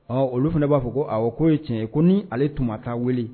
Ɔ olu fana ba fɔ ko awɔ ko ye tiɲɛ ye ko ni ale kun ma taa wele